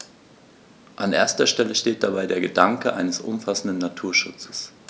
An erster Stelle steht dabei der Gedanke eines umfassenden Naturschutzes.